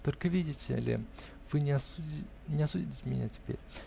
Только, видите ли, вы не осудите меня теперь?